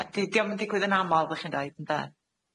Na di- diom yn digwydd yn amal dach chi'n deud ynde?